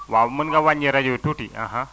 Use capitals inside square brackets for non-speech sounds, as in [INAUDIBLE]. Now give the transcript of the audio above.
waaw mën nga waññi rajo bi tuuti [HESITATION] [HESITATION]